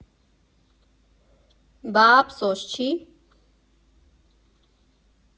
Բա ափսոս չի՞